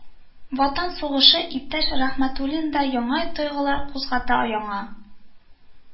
Ватан сугышы иптәш Рәхмәтуллинда яңа тойгылар кузгата, яңа